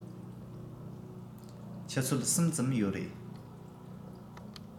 ཆུ ཚོད གསུམ ཙམ ཡོད རེད